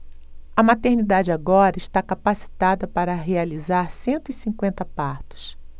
a maternidade agora está capacitada para realizar cento e cinquenta partos